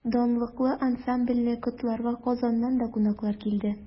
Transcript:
Данлыклы ансамбльне котларга Казаннан да кунаклар килде.